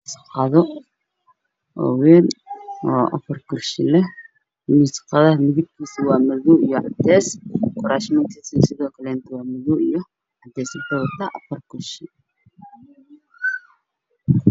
Meeshan waa qol iiga muuqda kuraas iyo miis darbiyada way caddaan dhulka waa cadays